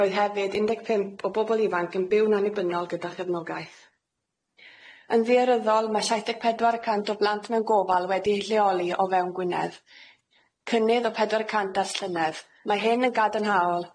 Roedd hefyd un deg pump o bobl ifanc yn byw'n annibynnol gyda chyfnogaeth. Yn ddaearyddol mae saith deg pedwar y cant o blant mewn gofal wedi'u lleoli o fewn Gwynedd, cynnydd o pedwar y cant ar llynedd, mae hyn yn gadarnhaol,